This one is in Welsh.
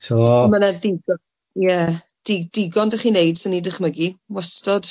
So... Ma' ‘na digon, ie, di- digon 'da chi neud, swn i'n dychmygu, wastod.